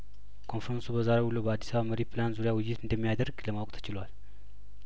ኮንፈረንሱ በዛሬው ውሎው በአዲስ አበባ መሪ ፕላን ዙሪያ ውይይት እንደሚያደርግ ለማወቅ ተችሏል